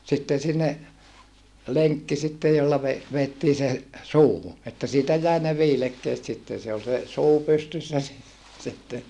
sitten sinne lenkki sitten jolla - vedettiin se suuhun että siitä jäi ne viilekkeet sitten se oli se suu pystyssä - sitten